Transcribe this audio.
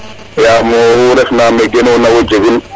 yaam oxu refna me genona wo jegun